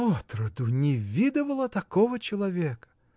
— Отроду не видывала такого человека!